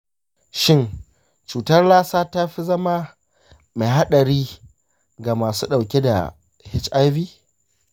shin cutar lassa ta fi zama mai haɗari ga masu ɗauke da hiv?